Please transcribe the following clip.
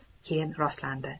keyin rostlandi